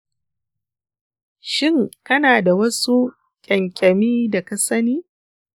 shin kana da wasu ƙyanƙyami da ka sani?